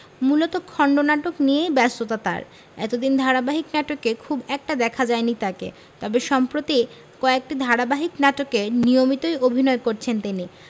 মূলত খণ্ডনাটক নিয়েই ব্যস্ততা তার এতদিন ধারাবাহিক নাটকে খুব একটা দেখা যায়নি তাকে তবে সম্প্রতি কয়েকটি ধারাবাহিক নাটকে নিয়মিতই অভিনয় করছেন তিনি